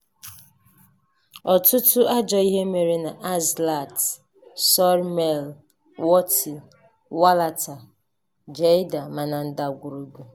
Ọtụtụ ajọ ihe mere na Azlatt, Sory Malé, Wothie, Walata, Jreida ma na ndagwurugwu.